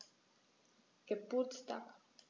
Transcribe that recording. Geburtstag